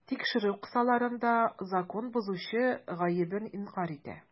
Тикшерү кысаларында закон бозучы гаебен инкарь итә.